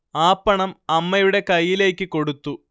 ആ പണം അമ്മയുടെ കയ്യിലേക്ക് കൊടുത്തു